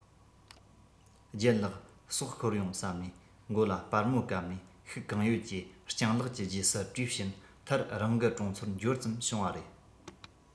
ལྗད ལགས སྲོག ཤོར ཡོང བསམ ནས མགོ ལ སྦར མོ བཀབ ནས ཤུགས གང ཡོད ཀྱིས སྤྱང ལགས ཀྱི རྗེས སུ བྲོས ཕྱིན མཐར རང གི གྲོང ཚོར འབྱོར ཙམ བྱུང བ རེད